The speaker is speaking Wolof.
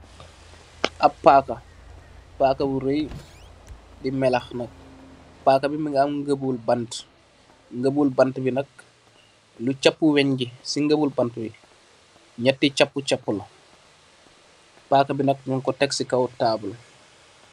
Ab paaka, paaka bu rey, di melex nak, paaka bi mingi am gebul bante, gebul bante bi nak lu cappu wenj ngi, si gebul bante bi, nyatti cappu, cappu la, paaka bi nak nyun ko teg si kaw taabul.